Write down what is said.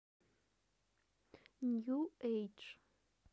нью эйдж